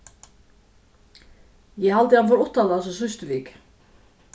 eg haldi at hann fór uttanlands í síðstu viku